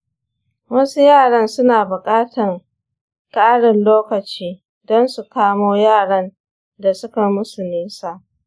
wasu yaran suna bukatan karin lokaci don su kamo yaran da suka musu nisa.